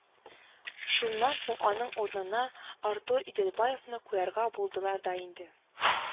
Шуннан соң аның урынына Артур Иделбаевны куярга булдылар да инде